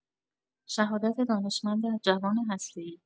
شهادت دانشمند جوان هسته‌ای